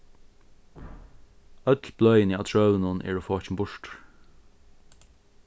øll bløðini á trøunum eru fokin burtur